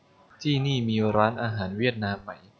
ที่นี่มีร้านอาหารเวียดนามไหม